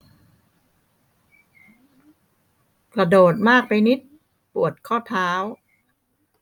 กระโดดมากไปนิดปวดข้อเท้า